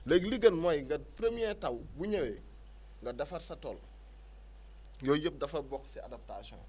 léegi li gën mooy nga premier taw bu ñëwee nga defar sa tool yooyu yëpp dafa bokk si adaptation yi